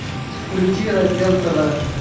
включи раздел тв